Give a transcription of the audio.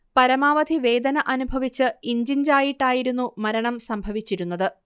പരമാവധി വേദന അനുഭവിച്ച് ഇഞ്ചിഞ്ചായിട്ടായിരുന്നു മരണം സംഭവിച്ചിരുന്നത്